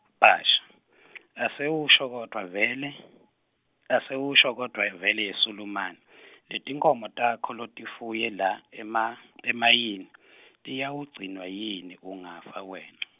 Bhasha , Asewusho kodvwa vele, Asewusho kodvwa vele yeSulumane , letinkhomo takho lotifuye la ema- emayini tiyawugcinwa yini, ungafa wena?